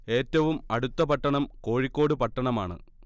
ഏറ്റവും അടുത്ത പട്ടണം കോഴിക്കോട് പട്ടണമാണ്